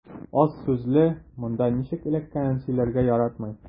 Аз сүзле, монда ничек эләккәнен сөйләргә яратмый.